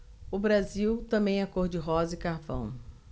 o brasil também é cor de rosa e carvão